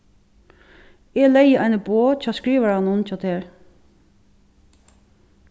eg legði eini boð hjá skrivaranum hjá tær